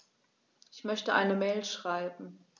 Ich möchte eine Mail schreiben.